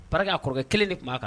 Barika a kɔrɔkɛ kelen de tuna kan